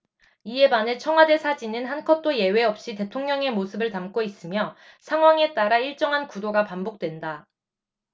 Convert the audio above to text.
이에 반해 청와대 사진은 한 컷도 예외 없이 대통령의 모습을 담고 있으며 상황에 따라 일정한 구도가 반복된다